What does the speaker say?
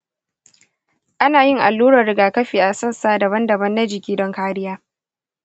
ana yin allurar rigakafi a sassa daban-daban na jiki don kariya.